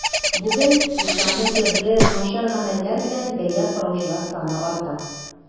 Бүген исламны төрле начар гамәлләр белән бәйләп караучылар саны арта.